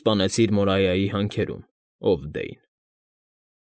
Սպանեցիր Մորայայի հանքերում, ով Դեյն։